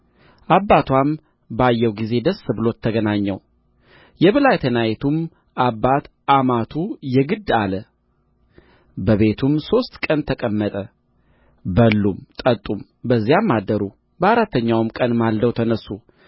አባትዋም ባየው ጊዜ ደስ ብሎት ተገናኘው የብላቴናይቱም አባት አማቱ የግድ አለ በቤቱም ሦስት ቀን ተቀመጠ በሉም ጠጡም በዚያም አደሩ በአራተኛውም ቀን ማልደው ተነሡ